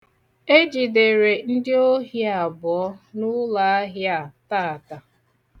E jidere ndị ohi abụọ n'ụlaahịa a taata.